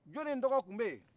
jɔnni tɔgɔ tun bɛ yen